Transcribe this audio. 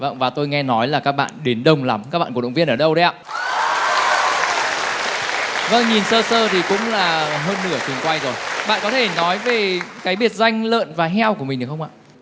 vâng và tôi nghe nói là các bạn đến đông lắm các bạn cổ động viên ở đâu đấy ạ ạ vâng nhìn sơ sơ thì cũng là hơn nửa trường quay rồi bạn có thể nói về cái biệt danh lợn và heo của mình được không ạ